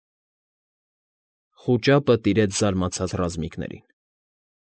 Խուճապը տիրեց զարմացած ռազմիկներին։